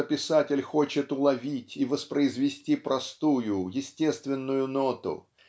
что писатель хочет уловить и воспроизвести простую естественную ноту